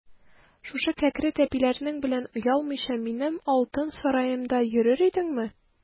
Шушы кәкре тәпиләрең белән оялмыйча минем алтын сараемда йөрер идеңме?